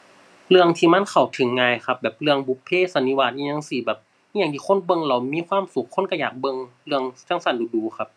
เรื่องที่มันเข้าถึงง่ายครับ แบบเรื่องบุพเพสันนิวาสอิหยังจั่งซี้ แบบอิหยังที่คนเบิ่งแล้วมีความสุข คนก็อยากเบิ่งเรื่องจั่งซั้นดู๋ดู๋ครับ